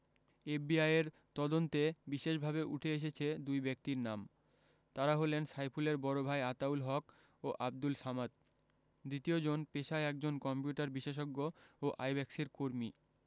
এফবিআইয়ের তদন্তে বিশেষভাবে উঠে এসেছে দুই ব্যক্তির নাম তাঁরা হলেন সাইফুলের বড় ভাই আতাউল হক ও আবদুল সামাদ দ্বিতীয়জন পেশায় একজন কম্পিউটার বিশেষজ্ঞ ও আইব্যাকসের কর্মী